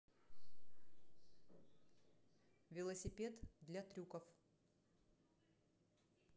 велосипед для трюков